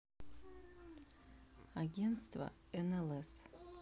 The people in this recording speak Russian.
агентство нлс